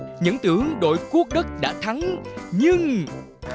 những tưởng độ cuốc đất đã thắng nhưng